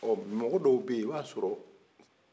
ɔ mɔgɔ dɔw bɛ yen i b'a sɔrɔ